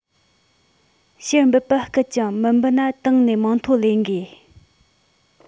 ཕྱིར འབུད པར སྐུལ ཀྱང མི འབུད ན ཏང ནང ནས མིང ཐོ ལེན དགོས